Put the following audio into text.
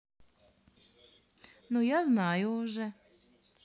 ну я знаю уже